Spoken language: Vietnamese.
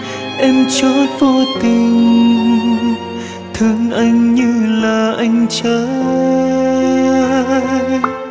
em trót vô tình thương anh như là anh trai